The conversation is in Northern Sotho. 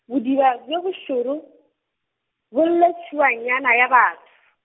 bodiba bjo bošoro, bo lle tšhuanyana ya batho.